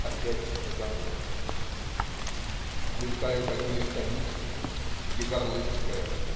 Опять на Дону Мелькают огни станицы. Егорлыцкая.